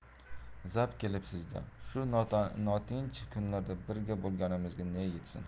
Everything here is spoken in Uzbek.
zap kelibsizda shu notinch kunlarda birga bo'lganimizga ne yetsin